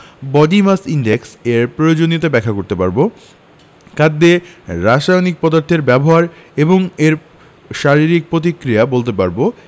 body mass index এর প্রয়োজনীয়তা ব্যাখ্যা করতে পারব খাদ্যে রাসায়নিক পদার্থের ব্যবহার এবং এর শারীরিক প্রতিক্রিয়া বলতে পারব